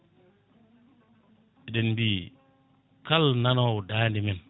eɗen mbi kal nanowo dande men